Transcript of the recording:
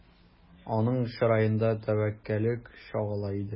Аның чыраенда тәвәккәллек чагыла иде.